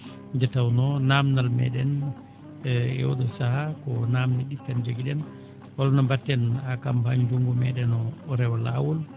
nde tawnoo naamndal meeɗen e ooɗoo sahaa ko naamnde ɗiɗi tan njogiɗen holno mbaɗeten haa campagne ndunngu meeɗen oo o rewa laawol